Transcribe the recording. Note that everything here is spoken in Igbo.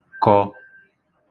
kọ̄